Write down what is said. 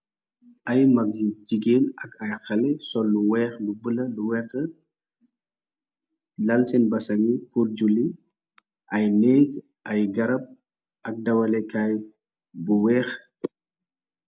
Ay mak yu jigéen ak ay xalèh sol lu wèèx lu bula lu werta, lal sèèn basangi pur juli . Ay nék ay garab ak dawalekaay bu wèèx.